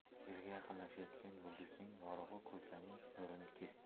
yerga yaqinlashayotgan yulduzning yorug'i ko'zlarning nurini kesdi